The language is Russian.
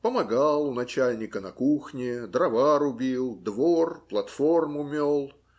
Помогал у начальника на кухне, дрова рубил, двор, платформу мел.